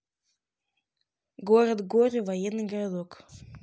город горе военный городок